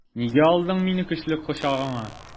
Нигә алдың мине көчле кочагыңа?